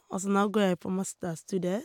Og så nå går jeg på masterstudier.